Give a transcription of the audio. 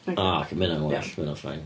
A oce ma' hynna'n well, ma' hynna'n fine.